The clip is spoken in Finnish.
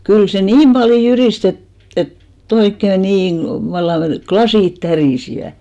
kyllä se niin paljon jyristi että että että oikein niin - vallan lasit tärisivät